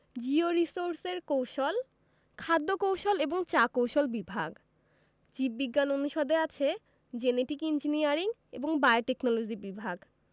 জিওরির্সোসের কৌশল খাদ্য কৌশল এবং চা কৌশল বিভাগ জীব বিজ্ঞান অনুষদে আছে জেনেটিক ইঞ্জিনিয়ারিং এবং বায়োটেকনলজি বিভাগ